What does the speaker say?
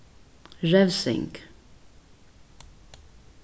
revsing